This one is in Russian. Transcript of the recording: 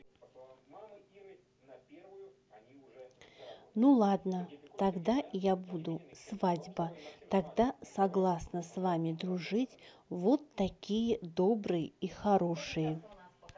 ну ладно тогда я буду свадьба тогда согласна с вами дружить вот такие добрые и хорошие